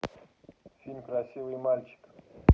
фильм красивый мальчик